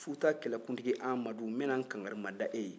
futa kɛlɛkuntigi amadu n bɛ na n kankari mada e ye